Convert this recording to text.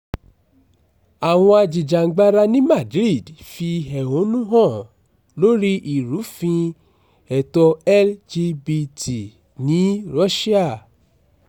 Àwọn ajìjàǹgbara ní Madrid fi ẹ̀hónú hàn lórí ìrúfin ẹ̀tọ́ LGBT ní Russia